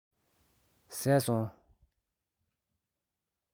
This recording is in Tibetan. མཆོད སོང